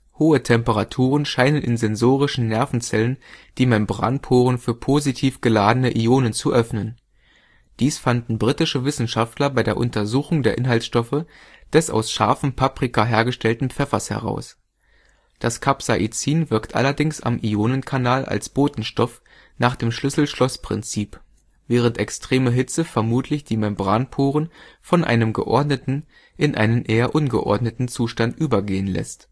Hohe Temperaturen scheinen in sensorischen Nervenzellen die Membranporen für positiv geladene Ionen zu öffnen. Dies fanden britische Wissenschaftler bei der Untersuchung der Inhaltsstoffe des aus scharfem Paprika hergestellten Pfeffers heraus. Das Capsaicin wirkt allerdings am Ionenkanal als Botenstoff nach dem Schlüssel-Schloss-Prinzip, während extreme Hitze vermutlich die Membranporen von einem geordneten in einen eher ungeordneten Zustand übergehen lässt